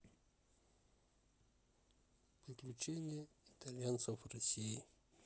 приключения итальянцев в россии